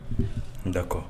D'accord